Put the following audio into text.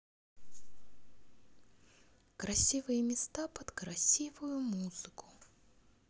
красивые места под красивую музыку